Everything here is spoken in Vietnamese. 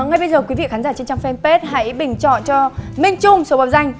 và ngay bây giờ quý vị khán giả trên trang phen pết hãy bình chọn cho minh trung số báo danh